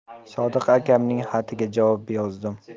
sodiq akamning xatiga javob yozdim